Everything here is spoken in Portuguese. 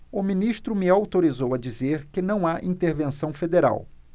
o ministro me autorizou a dizer que não há intervenção federal